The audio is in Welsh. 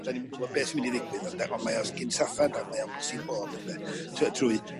'dan ni'm yn gwbo be' sy mynd i ddigwydd ynde ond mae o s- gyn saffad a mae o bosib bod ynde. Yy trwy